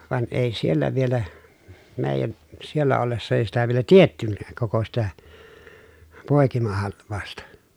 vaan ei siellä vielä meidän siellä ollessa ei sitä vielä tiedettykään koko sitä poikimahalvausta